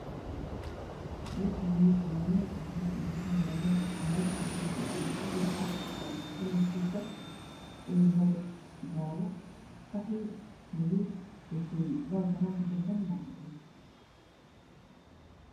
Meshani waa mel carwo ah waxayalo cagag cadan ah waxa kujira afar sako kalarkis oow yahay jale qaxwi madow beseli bagronka babe waa cadan